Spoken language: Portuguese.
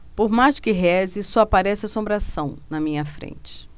por mais que reze só aparece assombração na minha frente